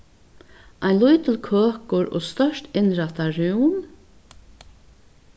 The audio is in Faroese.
ein lítil køkur og stórt innrættað rúm